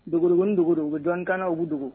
Dogodogonin dogodogo dogo u bɛ dɔnni k'an na u bɛ i dogo.